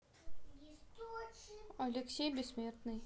алексей бессмертный